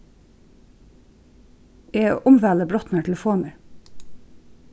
eg umvæli brotnar telefonir